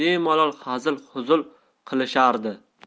bemalol hazil huzul qilishardi